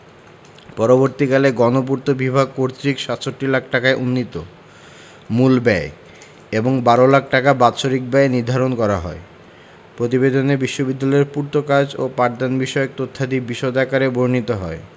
পরবর্তীকালে গণপূর্ত বিভাগ কর্তৃক ৬৭ লাখ ঢাকায় উন্নীত মূল ব্যয় এবং ১২ লাখ টাকা বাৎসরিক ব্যয় নির্ধারণ করা হয় প্রতিবেদনে বিশ্ববিদ্যালয়ের পূর্তকাজ ও পাঠদানবিষয়ক তথ্যাদি বিশদ আকারে বর্ণিত হয়